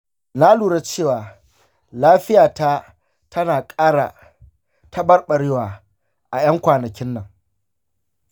na lura cewa lafiyata tana ƙara taɓarbarewa a 'yan kwanakin nan.